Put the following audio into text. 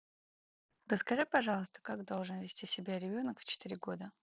расскажи пожалуйста как должен вести себя ребенок в четыре года